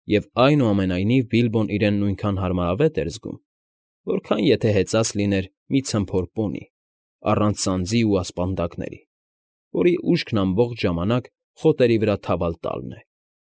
Եվ, այնուամենայնիվ, Բիլբոն իրեն նույնքն հարմարավետ էր զգում, որքան, եթե հեծած լիներ մի ցմփոր պոնի, առանց սանձի ու ասպանդակների, որի ուշքան ամբողջ ժամանակ խոտերի վրա թավալ տալն է։